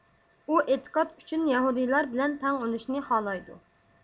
ئۇ ئېتىقاد ئۈچۈن يەھۇدىيلار بىلەن تەڭ ئۆلۈشنى خالايدۇ